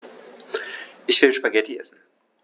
Ich will Spaghetti essen.